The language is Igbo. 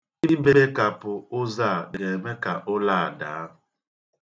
Ibekapụ ụzọ a ga-eme ka ụlọ a daa.